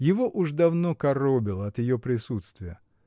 Его уж давно коробило от ее присутствия.